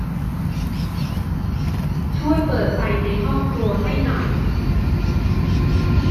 ช่วยเปิดไฟในห้องครัวให้หน่อย